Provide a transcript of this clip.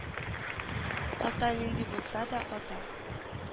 Ата нинди булса да ата